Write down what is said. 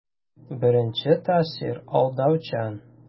Беренче тәэсир алдаучан.